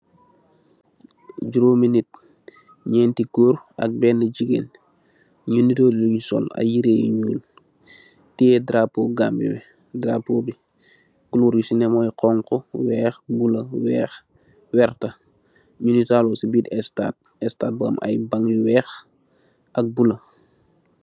Juroomi nit, nyelenti goor, ak ben jigeen, nyu nuroole lunye sol, aye yireh yu nyuul, tiyeeh daraapooh Gambie bi, daraapooh bi coloor yusi neh moy xonxu, weekh, buleuh, weekh, werta, nyi nitaalu si biit estaat, estaat bu am aye bang yu weekh, ak buleuh.